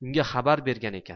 unga xabar bergan ekan